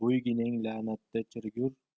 bo'lmay bo'yginang lahatda chirigur